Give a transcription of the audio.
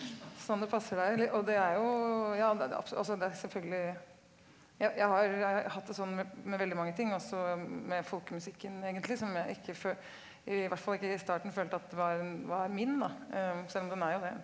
sånn det passer deg eller og det er jo ja altså det er selvfølgelig jeg jeg har hatt det sånn med med veldig mange ting også med folkemusikken egentlig som jeg ikke i hvert fall ikke i starten følte at det var en var min da selv om den er jo det.